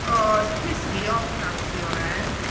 Oh it's pissing me off now to be honest.